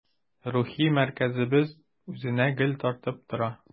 Рухи мәркәзебез үзенә гел тартып тора.